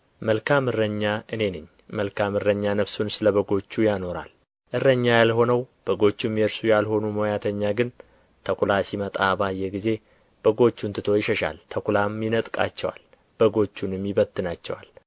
መልካም እረኛ እኔ ነኝ መልካም እረኛ ነፍሱን ስለ በጎቹ ያኖራል እረኛ ያልሆነው በጎቹም የእርሱ ያልሆኑ ሞያተኛ ግን ተኵላ ሲመጣ ባየ ጊዜ በጎቹን ትቶ ይሸሻል ተኵላም ይነጥቃቸዋል በጎቹንም ይበትናቸዋል